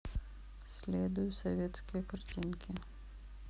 следую советские картинки